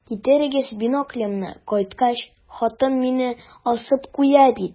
Китерегез биноклемне, кайткач, хатын мине асып куя бит.